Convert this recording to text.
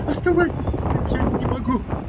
Оставайтесь с ним, я не могу.